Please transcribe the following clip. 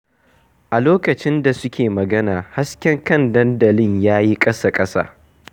A lokacin da suke magana, hasken kan dandalin ya yi ƙasa-ƙasa.